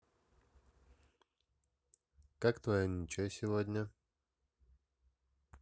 как твое ничего сегодня